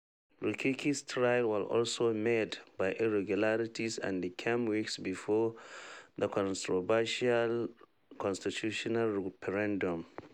Rukiki's trial was also marred by irregularities and came weeks before the controversial constitutional referendum.